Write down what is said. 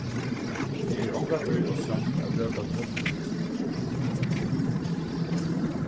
tað er ongantíð ov seint at bróta tøgnina